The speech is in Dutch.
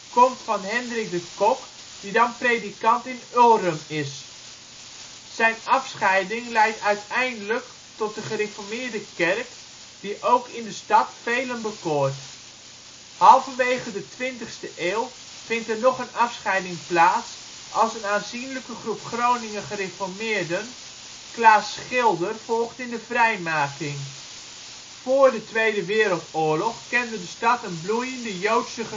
komt van Hendrik de Cock die dan predikant in Ulrum is. Zijn afscheiding leidt uiteindelijk tot de gereformeerde kerk, die ook in de stad velen bekoort. Halverwege de twintigste eeuw vindt er nog een afscheiding plaats als een aanzienlijke groep Groninger gereformeerden Klaas Schilder volgt in de vrijmaking. Voor de Tweede Wereldoorlog kende de stad een bloeiende Joodse